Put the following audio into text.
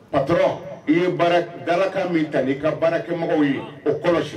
Pat i ye baara dalakan min ta i ka baarakɛmɔgɔw ye o kɔlɔsi